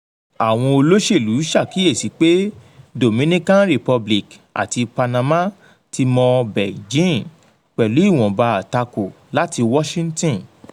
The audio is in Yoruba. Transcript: Àwọn olóṣèlú ṣàkíyèsí pé Dominican Republic àti Panama ti mọ Beijing, pẹ̀lú ìwọ̀nba àtakò láti Washington.